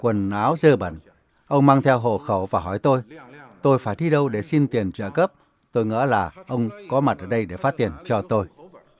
quần áo dơ bẩn ông mang theo hộ khẩu và hỏi tôi tôi phải đi đâu để xin tiền trợ cấp tôi ngỡ là ông có mặt ở đây để phát hiện cho tôi